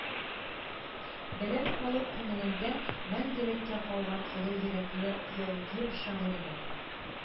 Белән халык күңелендә мәңгелеккә калган олы йөрәкле яугир шагыйрьнең